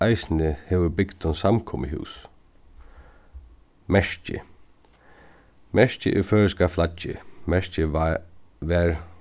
eisini hevur bygdin samkomuhús merkið merkið er føroyska flaggið merkið varð